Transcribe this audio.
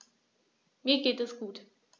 Mir geht es gut.